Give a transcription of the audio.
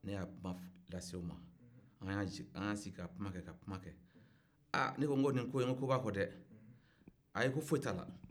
ne y'a kuma las'o ma an y'an sigi ka kuma kɛ ka kuma kɛ ka kuma kɛ aa ne ko nin ko in ko b'a kɔ de ayi ko foyi t'a la